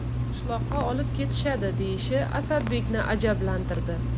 qishloqqa olib ketishadi deyishi asadbekni ajblantirdi